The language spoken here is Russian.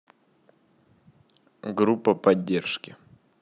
группа поддержки